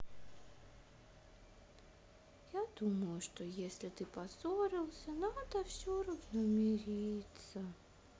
я думаю что если ты поссорился надо все равно мириться